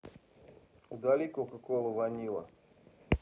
удали кока кола ванила